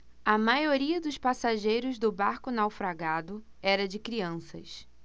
a maioria dos passageiros do barco naufragado era de crianças